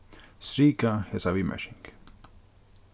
strika hesa viðmerking